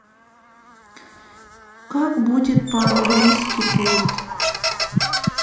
как будет по английски пульт